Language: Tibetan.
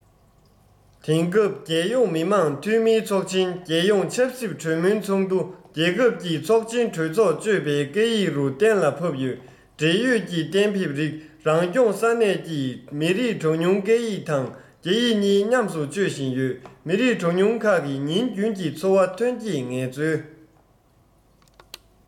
དེང སྐབས རྒྱལ ཡོངས མི དམངས འཐུས མིའི ཚོགས ཆེན རྒྱལ ཡོངས ཆབ སྲིད གྲོས མོལ ཚོགས འདུ རྒྱལ ཁབ ཀྱི ཚོགས ཆེན གྲོས ཚོགས སྤྱོད པའི སྐད ཡིག རུ གཏན ལ ཕབ ཡོད འབྲེལ ཡོད ཀྱི གཏན འབེབས རིགས རང སྐྱོང ས གནས ཀྱིས མི རིགས གྲངས ཉུང སྐད ཡིག དང རྒྱ ཡིག གཉིས མཉམ དུ སྤྱོད བཞིན ཡོད མི རིགས གྲངས ཉུང ཁག གིས ཉིན རྒྱུན གྱི འཚོ བ ཐོན སྐྱེད ངལ རྩོལ